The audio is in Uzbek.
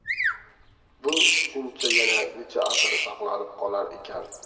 bu tushuncha yana necha asr saqlanib qolar ekan